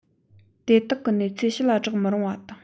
དེ དག གི གནས ཚུལ ཕྱི ལ བསྒྲགས མི རུང བ དང